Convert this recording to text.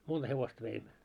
monta hevosta veimme